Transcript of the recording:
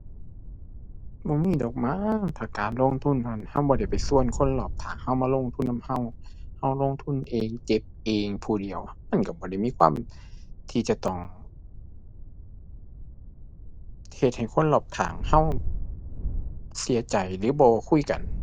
บ่มีดอกมั้ง ถ้าการลงทุนนั้นเราบ่ได้ไปเราคนรอบข้างเรามาลงทุนนำเรา เราลงทุนเอง เจ็บเองผู้เดียว มันเราบ่ได้มีความที่จะต้องเฮ็ดให้คนรอบข้างเราเสียใจหรือบ่คุยกัน